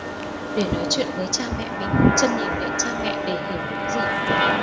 để nói chuyện với cha mẹ mình trân nhìn miệng cha mẹ để hiểu những gì họ nói